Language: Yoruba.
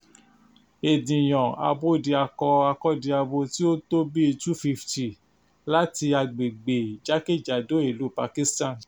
Ènìyàn Abódiakọ-akọ́diabo tí ó tó bí 250 láti agbègbè jákèjádò ìlú Pakistan.